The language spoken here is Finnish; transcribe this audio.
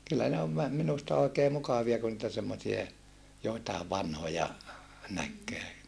kyllä ne on - minusta oikein mukavia kun niitä semmoisia joitakin vanhoja näkee